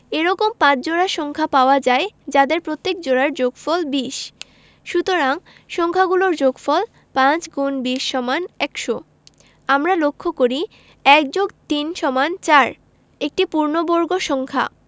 এরকম ৫ জোড়া সংখ্যা পাওয়া যায় যাদের প্রত্যেক জোড়ার যোগফল ২০ সুতরাং সংখ্যা গুলোর যোগফল ৫*২০=১০০ আমরা লক্ষ করি ১+৩=৪ একটি পূর্ণবর্গ সংখ্যা